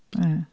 Ie.